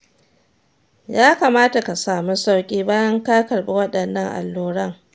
ya kamata ka samu sauƙi bayan ka karɓi waɗannan alluran.